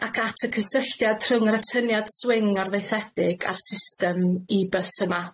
ac at y cysylltiad rhwng yr atyniad swing arfaethedig a'r system ee bus yma.